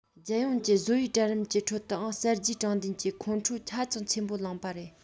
རྒྱལ ཡོངས ཀྱི བཟོ པའི གྲལ རིམ གྱི ཁྲོད དུའང གསར བརྗེའི དྲང བདེན གྱི ཁོང ཁྲོ ཧ ཅང ཆེན པོ ལངས པ རེད